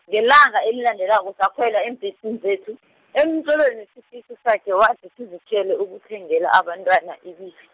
ngelanga elilandelako sakhwela eembhesini zethu, emtlolweni wesifiso, sakhe wathi sizitjhiyele ukuthengela abantwana ibisi.